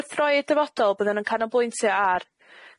Wrth droi i'r dyfodol byddwn yn canolbwyntio ar